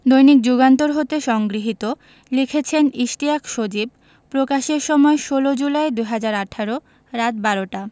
দৈনিক যুগান্তর হতে সংগৃহীত লিখেছেন ইশতিয়াক সজীব প্রকাশের সময় ১৬ জুলাই ২০১৮ রাত ১২টা